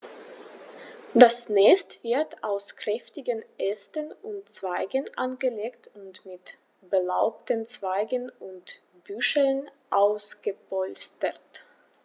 Das Nest wird aus kräftigen Ästen und Zweigen angelegt und mit belaubten Zweigen und Büscheln ausgepolstert.